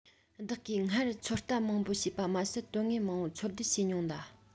བདག གིས སྔར ཚོད ལྟ མང པོ བྱས པ མ ཟད དོན དངོས མང པོ འཚོལ སྡུད བྱས མྱོང ལ